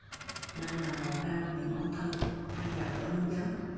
đây là một trong những ung thư hay gặp ở nam giới